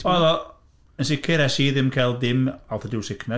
Oedd o... yn sicr, es i ddim cael ddim altitude sickness...